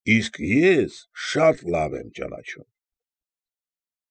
Իսկ ես շատ լավ եմ ճանաչում։